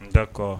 N dakɔ